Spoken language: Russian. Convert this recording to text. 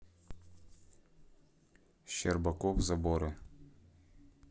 щербаков заборы